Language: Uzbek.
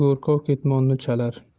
go'rkov ketmonni chalar